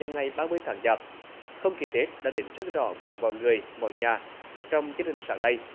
nhằm ngày ba mươi tháng chạp không khí tết đã đến rất rõ với mọi người mọi nhà trong chương trình sáng nay